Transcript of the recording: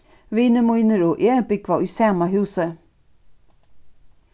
vinir mínir og eg búgva í sama húsi